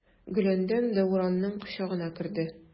Гөләндәм Дәүранның кочагына керде.